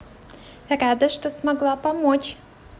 рада что смогла помочь